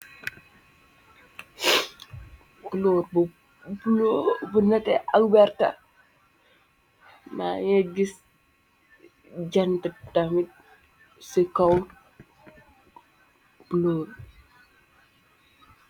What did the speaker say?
Clore bu nate alberta maneggis jant tamit ci cow lor.